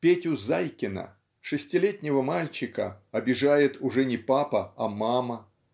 " Петю Зайкина, шестилетнего мальчика, обижает уже не папа, а мама.